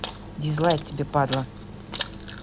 дизлайк тебе падла